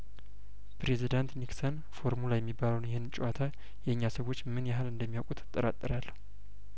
ፕሬዚዳንት ኒክሰን ፎርሙላ የሚባለውን ይህን ጨዋታ የእኛ ሰዎችምን ያህል እንደሚያውቁት እጠራጠራለሁ